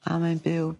A mae'n byw